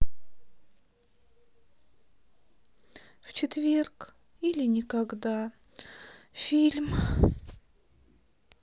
в четверг или никогда фильм